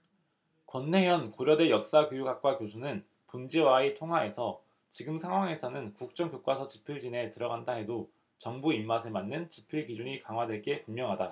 권내현 고려대 역사교육학과 교수는 본지와의 통화에서 지금 상황에서는 국정교과서 집필진에 들어간다 해도 정부 입맛에 맞는 집필 기준이 강화될 게 분명하다